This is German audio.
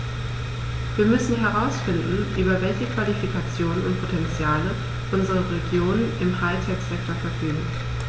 Wir müssen herausfinden, über welche Qualifikationen und Potentiale unsere Regionen im High-Tech-Sektor verfügen.